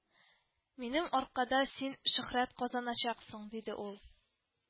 Минем аркада син шөһрәт казаначаксың, – диде ул